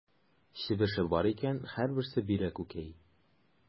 Чебеше бар икән, һәрберсе бирә күкәй.